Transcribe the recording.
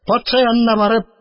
Патша янына барып